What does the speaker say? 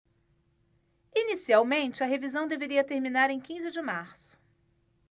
inicialmente a revisão deveria terminar em quinze de março